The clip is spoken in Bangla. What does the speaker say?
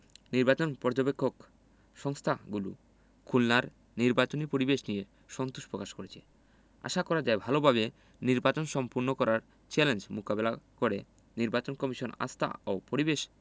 নির্বাচন পর্যবেক্ষক সংস্থাগুলো খুলনার নির্বাচনী পরিবেশ নিয়ে সন্তোষ প্রকাশ করেছে আশা করা যায় ভালোভাবে নির্বাচন সম্পন্ন করার চ্যালেঞ্জ মোকাবেলা করে নির্বাচন কমিশন আস্থা ও পরিবেশ